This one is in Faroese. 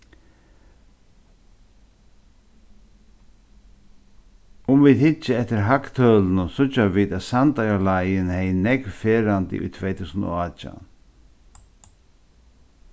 um vit hyggja eftir hagtølunum síggja vit at sandoyarleiðin hevði nógv ferðandi í tvey túsund og átjan